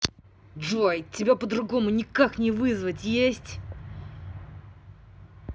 джой тебя по другому никак не вызвать есть